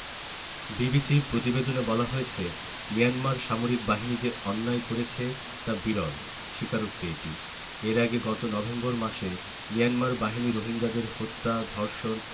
বিবিসির প্রতিবেদনে বলা হয়েছে মিয়ানমার সামরিক বাহিনী যে অন্যায় করেছে তা বিরল স্বীকারোক্তি এটি এর আগে গত নভেম্বর মাসে মিয়ানমার বাহিনী রোহিঙ্গাদের হত্যা ধর্ষণ